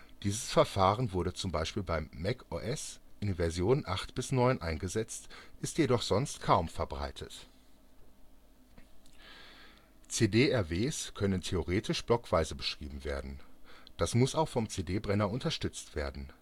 Dieses Verfahren wurde z.B. beim MacOS in den Versionen 8.x bis 9.x eingesetzt, ist jedoch sonst kaum verbreitet. CD-RWs können theoretisch blockweise beschrieben werden. Das muss auch vom CD-Brenner unterstützt werden